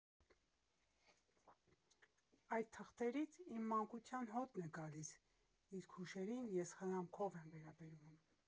Այդ թղթերից իմ մանկության հոտն է գալիս, իսկ հուշերին ես խնամքով եմ վերաբերվում։